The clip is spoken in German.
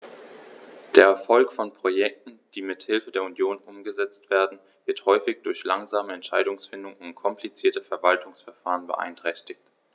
Der Erfolg von Projekten, die mit Hilfe der Union umgesetzt werden, wird häufig durch langsame Entscheidungsfindung und komplizierte Verwaltungsverfahren beeinträchtigt.